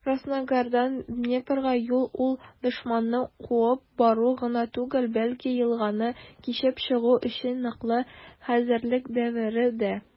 Краснограддан Днепрга юл - ул дошманны куып бару гына түгел, бәлки елганы кичеп чыгу өчен ныклы хәзерлек дәвере дә.